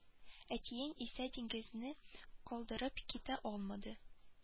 Әтиең исә диңгезне калдырып китә алмады